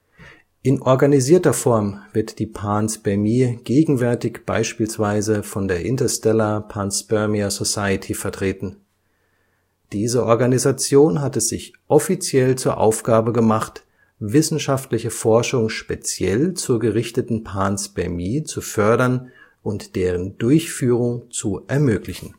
In organisierter Form wird die Panspermie gegenwärtig beispielsweise von der Interstellar Panspermia Society vertreten. Diese Organisation hat es sich offiziell zur Aufgabe gemacht, wissenschaftliche Forschung speziell zur gerichteten Panspermie zu fördern und deren Durchführung zu ermöglichen